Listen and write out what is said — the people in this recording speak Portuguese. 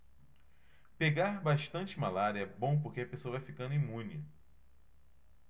pegar bastante malária é bom porque a pessoa vai ficando imune